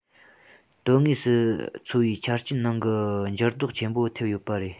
དོན དངོས སུ འཚོ བའི ཆ རྐྱེན ནང གི འགྱུར ལྡོག ཆེན པོ ཐེབས ཡོད པ རེད